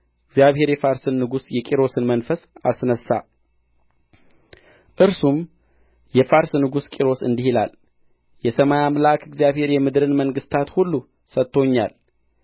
እግዚአብሔር የፋርስን ንጉሥ የቂሮስን መንፈስ አስነሣ እርሱም የፋርስ ንጉሥ ቂሮስ እንዲህ ይላል የሰማይ አምላክ እግዚአብሔር የምድርን መንግሥታት ሁሉ ሰጥቶኛል